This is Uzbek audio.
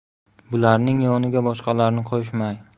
bularning yoniga boshqalarni qo'shmay